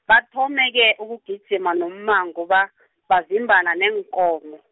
bathome ke ukugijima nommango ba- bavimbana neenkomo.